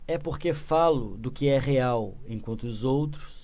é porque falo do que é real enquanto os outros